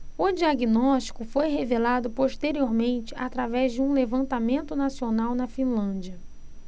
o diagnóstico foi revelado posteriormente através de um levantamento nacional na finlândia